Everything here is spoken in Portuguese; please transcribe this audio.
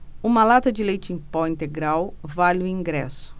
uma lata de leite em pó integral vale um ingresso